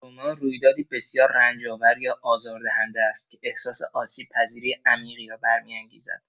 تروما رویدادی بسیار رنج‌آور یا آزاردهنده است که احساس آسیب‌پذیری عمیقی را برمی‌انگیزد.